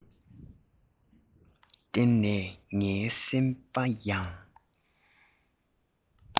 བསྟུན ནས ངའི སེམས པ ཡང